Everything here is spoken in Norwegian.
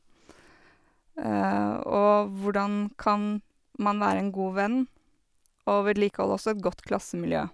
Og hvordan kan man være en god venn, og vedlikeholde også et godt klassemiljø.